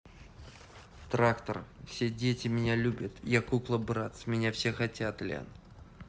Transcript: трактор все дети меня любят я кукла bratz все меня хотят лен